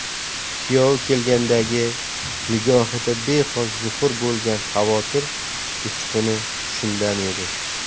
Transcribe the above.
kuyovi kelgandagi nigohida bexos zuhur bo'lgan havotir uchquni shundan edi